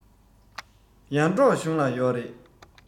ཡར འབྲོག གཞུང ལ ཡོག རེད